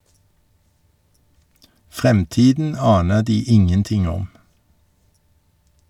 Fremtiden aner de ingenting om.